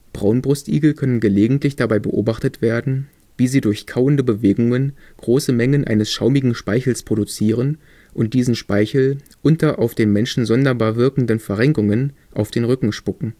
Braunbrustigel können gelegentlich dabei beobachtet werden, wie sie durch kauende Bewegungen große Mengen eines schaumigen Speichels produzieren und diesen Speichel unter auf den Menschen sonderbar wirkenden Verrenkungen auf den Rücken spucken